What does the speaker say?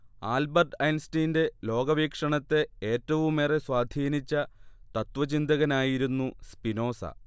Albert ഐൻസ്റ്റൈന്റെ ലോകവീക്ഷണത്തെ ഏറ്റവുമേറെ സ്വാധീനിച്ച തത്ത്വചിന്തകനായിരുന്നു സ്പിനോസ